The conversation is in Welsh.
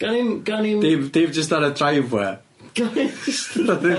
Gan 'i'm gan 'i'm... Dim dim jyst ar y drivewê. Gan 'i'm jyst ...